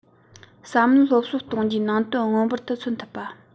བསམ བློའི སློབ གསོ གཏོང རྒྱུའི ནང དོན མངོན པར དུ མཚོན ཐུབ པ